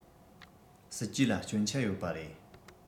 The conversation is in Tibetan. སྲིད ཇུས ལ སྐྱོན ཆ ཡོད པ རེད